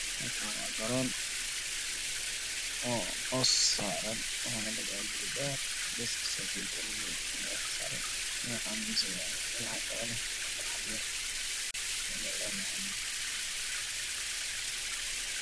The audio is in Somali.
Meeshaan waa garoon caws saaran